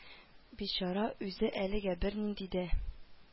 Бичара үзе әлегә бернинди дә